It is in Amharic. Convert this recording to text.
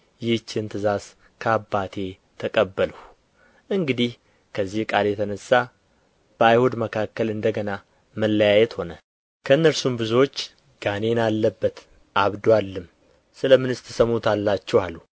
ይህችን ትእዛዝ ከአባቴ ተቀበልሁ እንግዲህ ከዚህ ቃል የተነሣ በአይሁድ መካከል እንደ ገና መለያየት ሆነ ከእነርሱም ብዙዎች ጋኔን አለበት አብዶአልም ስለ ምንስ ትሰሙታላችሁ አሉ